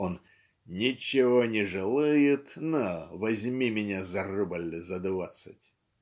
он "ничего не желает, - на, возьми меня за рубль за двадцать!".